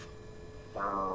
Serigne Mor jërëjëf